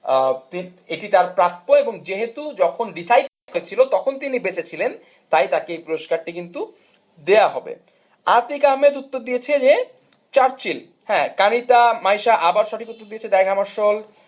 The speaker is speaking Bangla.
এটি তার প্রাপ্য এবং যেহেতু যখন ডিসাইড হয়েছিল তখন তিনি বেঁচে ছিলেন তাই তাকে এই পুরস্কারটি কিন্তু দেয়া হবে আতিক আহমেদ উত্তর দিয়েছে যে চার্চিল হ্যাঁ কাঙ্খিতা মাইসা আবার সঠিক উত্তর দিয়েছে যে ড্যাগ হ্যামারশোল্ড